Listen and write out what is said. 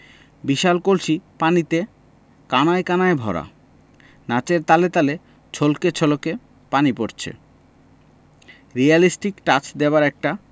বিশাল কলসি পানিতে কানায় কানায় ভরা নাচের তালে তালে ছলকে ছলকে পানি পড়ছে রিয়েলিস্টিক টাচ্ দেবার একটা